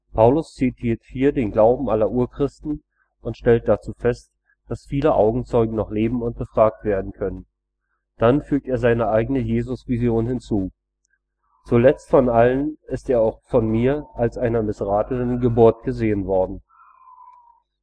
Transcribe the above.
Paulus zitiert hier den Glauben aller Urchristen und stellte dazu fest, dass viele Augenzeugen noch leben und befragt werden können. Dann fügte er seine eigene Jesusvision hinzu: „ Zuletzt von allen ist er auch von mir als einer missratenen Geburt gesehen worden...